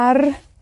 ar